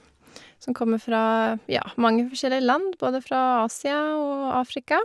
Som kommer fra, ja, mange forskjellige land, både fra Asia og Afrika.